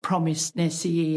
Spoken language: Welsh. promis nes i i...